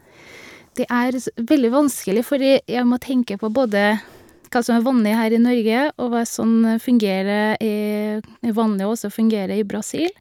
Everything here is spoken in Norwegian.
Det er s veldig vanskelig, fordi jeg må tenke på både hva som er vanlig her i Norge, og hva som fungerer i er vanlig også fungerer i Brasil.